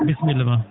bisimilla ma